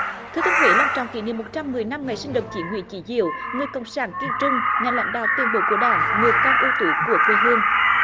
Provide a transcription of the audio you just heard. thừa thiên huế long trọng kỷ niệm một trăm mười năm ngày sinh được chị nguyễn chí diểu người cộng sản kiên trung nhà lãnh đạo tiền bối của đảng người con ưu tú của quê hương